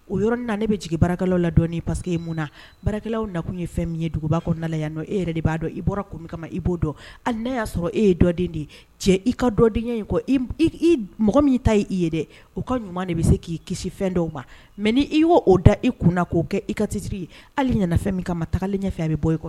O yɔrɔɔrɔn na ne bɛ jigin bara la dɔn paseke ye mun na baralaw nakun ye fɛn min ye duguba kɔnɔ na yan nɔ e yɛrɛ de b'a dɔn i bɔra ko min kama ma i b'o dɔn hali n'a y'a sɔrɔ e ye dɔden de ye cɛ i ka dɔden in kɔ mɔgɔ min ta y' i ye dɛ o ka ɲuman de bɛ se k'i kisi fɛn dɔw ma mɛ ni i y''o da i kun k'o kɛ i ka tisiri ye hali ɲɛna fɛn min kama ma taa ɲɛfɛ bɛ bɔ i kɔnɔ